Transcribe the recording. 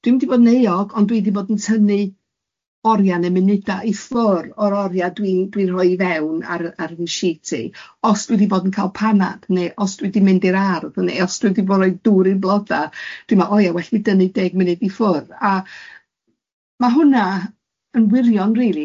dwi'm di bod yn euog ond dwi di bod yn tynnu oriau neu munudau i ffwr o'r oria dwi'n dwi'n rhoi i fewn ar ar fy sheet i os dwi di bod yn cal panad ne os dwi di mynd i'r ardd ne os dwi di rhoi dŵr i bloda, dwi'n meddwl o ia well fi dynnu deg munud i ffwrdd a ma hwnna yn wirion rili.